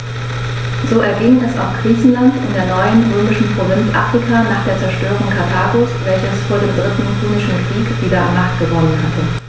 So erging es auch Griechenland und der neuen römischen Provinz Afrika nach der Zerstörung Karthagos, welches vor dem Dritten Punischen Krieg wieder an Macht gewonnen hatte.